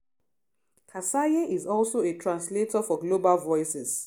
Kassaye is also a translator for Global Voices.